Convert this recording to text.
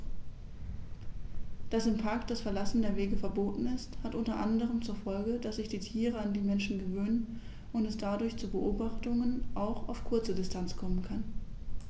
Dass im Park das Verlassen der Wege verboten ist, hat unter anderem zur Folge, dass sich die Tiere an die Menschen gewöhnen und es dadurch zu Beobachtungen auch auf kurze Distanz kommen kann.